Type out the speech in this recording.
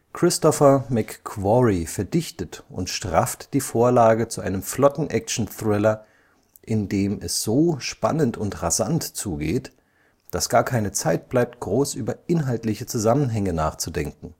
Christopher McQuarrie verdichtet und strafft die Vorlage zu einem flotten Action-Thriller, in dem es so spannend und rasant zugeht, dass gar keine Zeit bleibt, groß über inhaltliche Zusammenhänge nachzudenken